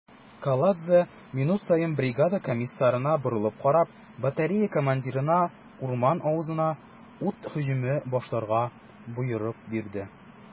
Каладзе, минут саен бригада комиссарына борылып карап, батарея командирына урман авызына ут һөҗүме башларга боерык бирде.